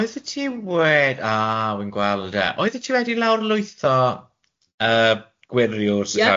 Oeddet ti wed- a, wi'n gweld e. Oeddet ti wedi lawrlwytho yy gwiriwr... Ie...lafu